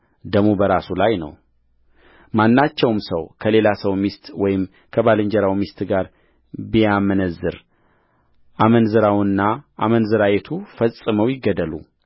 ደሙ በራሱ ላይ ነውማናቸውም ሰው ከሌላ ሰው ሚስት ወይም ከባልንጀራው ሚስት ጋር ቢያመነዝር አመንዝራውና አመንዝራይቱ ፈጽመው ይገደሉ